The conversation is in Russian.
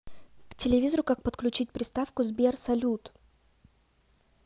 к телевизору как подключить приставку сбер салют